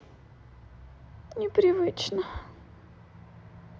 непривычно